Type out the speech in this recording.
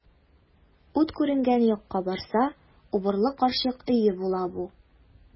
Ут күренгән якка барса, убырлы карчык өе була бу.